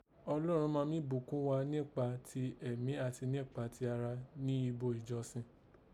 Ọlọ́run ma mí bùkún gha níkpa ti èmí àti níkpa ti ara ni ibo ìjọsìn